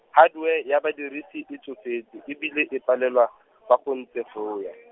hardware ya badirisi e tsofetse e bile e a palelwa, fa go ntse go ya.